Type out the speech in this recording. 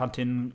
Pan ti'n...